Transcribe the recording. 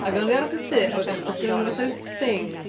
Ac oedden nhw 'di aros yn tŷ, a wedyn, oedd gennyn nhw fatha ryw thing